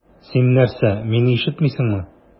Син нәрсә, мине ишетмисеңме?